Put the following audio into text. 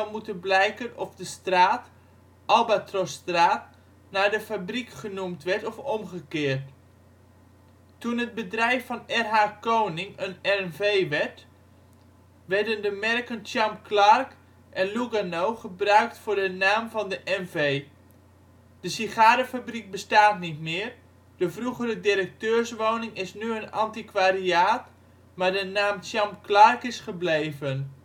moeten blijken of de straat, Albatrosstraat, naar de fabriek genoemd werd of omgekeerd. Toen het bedrijf van R.H. Koning een N.V. werd, werden de merken " Champ Clark " en " Lugano " gebruikt voor de naam van de N.V. De sigarenfabriek bestaat niet meer, de vroegere directeurswoning is nu een antiquariaat maar de naam Champ Clark is gebleven